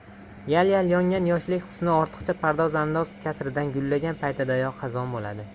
yal yal yongan yoshlik husni ortiqcha pardoz andoz kasridan gullagan paytidayoq xazon bo'ladi